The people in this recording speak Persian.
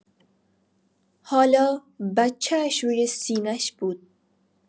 حالا بچه‌ش روی سینه‌ش بود.